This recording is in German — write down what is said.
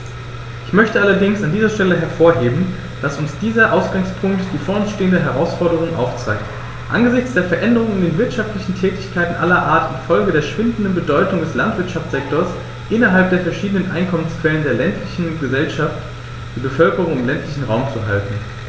Ich möchte allerdings an dieser Stelle hervorheben, dass uns dieser Ausgangspunkt die vor uns stehenden Herausforderungen aufzeigt: angesichts der Veränderungen in den wirtschaftlichen Tätigkeiten aller Art infolge der schwindenden Bedeutung des Landwirtschaftssektors innerhalb der verschiedenen Einkommensquellen der ländlichen Gesellschaft die Bevölkerung im ländlichen Raum zu halten.